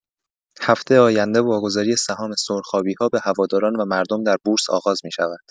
هفته آینده واگذاری سهام سرخابی‌ها به هواداران و مردم در بورس آغاز می‌شود.